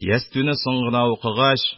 Ястүне соң гына укыгач,